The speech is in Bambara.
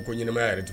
A ko ɲɛnɛya yɛrɛ don